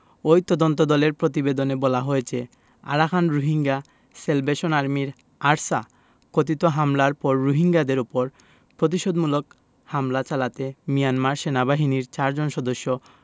ওই তদন্তদলের প্রতিবেদনে বলা হয়েছে আরাকান রোহিঙ্গা স্যালভেশন আর্মির আরসা কথিত হামলার পর রোহিঙ্গাদের ওপর প্রতিশোধমূলক হামলা চালাতে মিয়ানমার সেনাবাহিনীর চারজন সদস্য